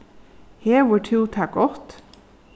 hevur tú tað gott